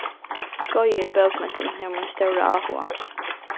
skeiðið í bókmentum hevur mín stóra áhuga